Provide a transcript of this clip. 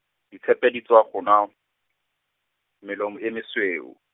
ditshepe di tswa go nwa, melomo e mesweu.